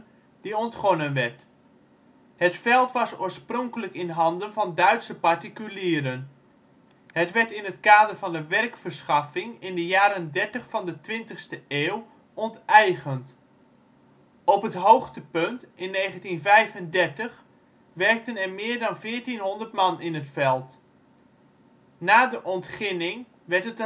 die ontgonnen werd. Het veld was oorspronkelijk in handen van Duitse particulieren. Het werd in het kader van de werkverschaffing in de jaren dertig van de twintigste eeuw onteigend. Op het hoogtepunt, in 1935, werkten er meer dan 1400 man in het veld. Na de ontginning werd het